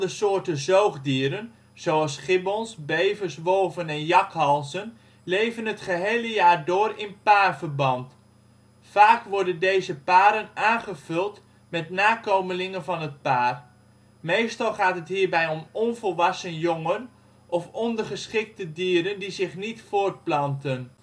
soorten zoogdieren, zoals gibbons, bevers, wolven en jakhalzen, leven het gehele jaar door in paarverband. Vaak worden deze paren aangevuld met nakomelingen van het paar. Meestal gaat het hierbij om onvolwassen jongen of ondergeschikte dieren die zich niet voortplanten